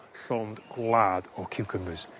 llond gwlad o ciwcymbyrs.